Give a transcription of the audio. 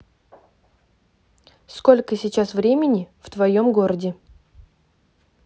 сколько сейчас времени в твоем городе